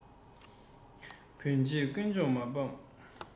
བོད ཆོས དཀོན མཆོག མ སྤངས